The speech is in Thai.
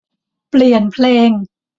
เปลี่ยนเพลง